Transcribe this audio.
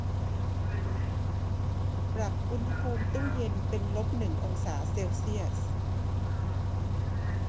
ปรับอุณหภูมิตู้เย็นเป็นลบหนึ่งองศาเซลเซียส